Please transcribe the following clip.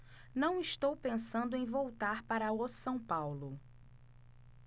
não estou pensando em voltar para o são paulo